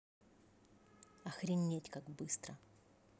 охренеть как быстро